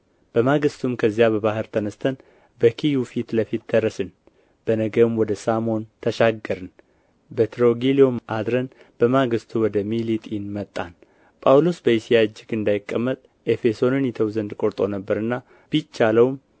በማግሥቱም ከዚያ በባሕር ተነሥተን በኪዩ ፊት ለፊት ደረስን በነገውም ወደ ሳሞን ተሻገርን በትሮጊሊዮም አድረን በማግሥቱ ወደ ሚሊጢን መጣን ጳውሎስ በእስያ እጅግ እንዳይቀመጥ ኤፌሶንን ይተው ዘንድ ቆርጦ ነበርና ቢቻለውም